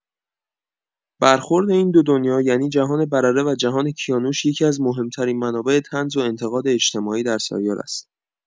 برخورد این دو دنیا، یعنی جهان برره و جهان کیانوش، یکی‌از مهم‌ترین منابع طنز و انتقاد اجتماعی در سریال است.